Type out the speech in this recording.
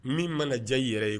Min mana diya yɛrɛ ye